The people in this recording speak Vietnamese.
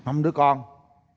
năm đứa con